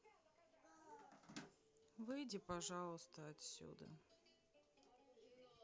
выйди пожалуйста отсюда